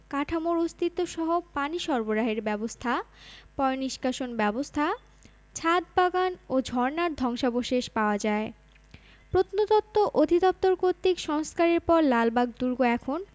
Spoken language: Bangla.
কাঠামোর অস্তিত্বসহ পানি সরবরাহের ব্যবস্থা পয়োনিষ্কাশন ব্যবস্থা ছাদ বাগান ও ঝর্ণার ধ্বংসাবশেষ পাওয়া যায় প্রত্নতত্ত্ব অধিদপ্তর কর্তৃক সংস্কারের পর লালবাগ দুর্গ এখন